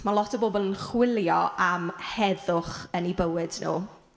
Ma' lot o bobl yn chwilio am heddwch yn eu bywyd nhw.